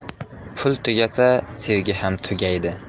pul tugasa sevgi ham tugaydi